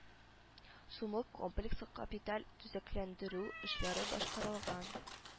Сумлык комплекслы капиталь төзекләндерү эшләре башкарылган